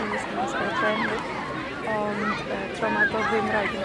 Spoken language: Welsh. ni wisgo masg ar y trên hefyd, ond y tro 'ma do'dd ddim rhaid i ni